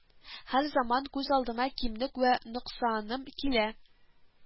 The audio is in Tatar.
Һәр заман күз алдыма кимлек вә ноксаным килә